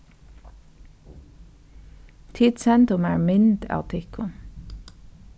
tit sendu mær mynd av tykkum